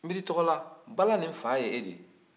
n b'i tɔgɔ da bala nin fa y'e de